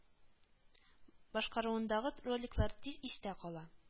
Башкаруындагы роликлар тиз истә кала